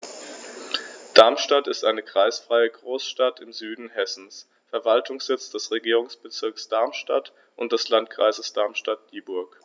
Darmstadt ist eine kreisfreie Großstadt im Süden Hessens, Verwaltungssitz des Regierungsbezirks Darmstadt und des Landkreises Darmstadt-Dieburg.